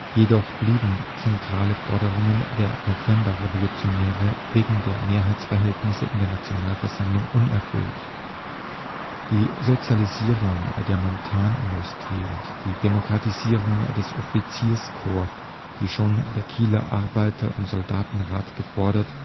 Jedoch blieben zentrale Forderungen der Novemberrevolutionäre wegen der Mehrheitsverhältnisse in der Nationalversammlung unerfüllt: Die Sozialisierung der Montanindustrie und die Demokratisierung des Offizierskorps, die schon der Kieler Arbeiter - und Soldatenrat gefordert